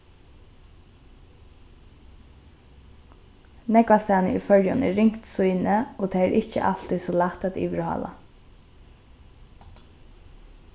nógvastaðni í føroyum er ringt sýni og tað er ikki altíð so lætt at yvirhála